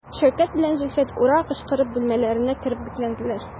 Шәүкәт белән Зөлфәт «ура» кычкырып бүлмәләренә кереп бикләнделәр.